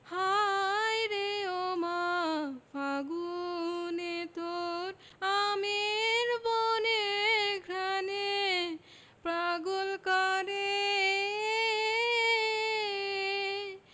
হায়রে ওমা ফাগুনে তোর আমের বনে ঘ্রাণে পাগল করে